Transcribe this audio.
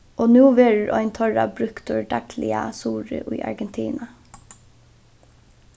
og nú verður ein teirra brúktur dagliga suðuri í argentina